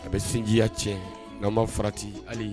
A bɛ sinjiya tiɲɛ nka' farati hali